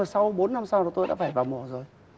sau bốn năm sau đó tôi đã phải vào mổ rồi